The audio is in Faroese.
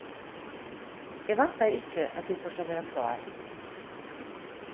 eg væntaði ikki at tú fórt at vera klár